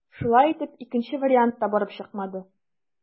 Шулай итеп, икенче вариант та барып чыкмады.